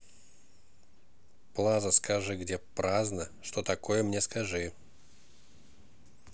plaza скажи где праздно что такое мне скажи